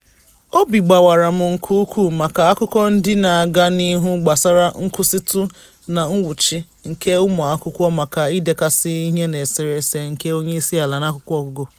Obi gbawara m nke ukwuu maka akụkọ ndị na-aga n'ihu gbasara nkwụsịtụ na nwụchi nke ụmụakwụkwọ maka idekasị ihe n'eserese nke onyeisiala n'akwụkwọ ọgụgụ.